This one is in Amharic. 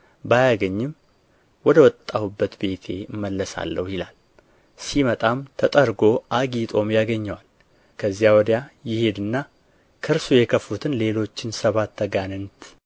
ባያገኝም ወደ ወጣሁበት ቤቴ እመለሳለሁ ይላል ሲመጣም ተጠርጎ አጊጦም ያገኘዋል ከዚያ ወዲያ ይሄድና ከእርሱ የከፉትን ሌሎችን ሰባት አጋንንት